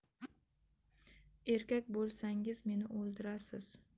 erkak bo'lsangiz meni o'ldirasiz